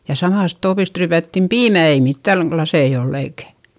ja samasta tuopista ryypättiin piimää ei mitään laseja ollut eikä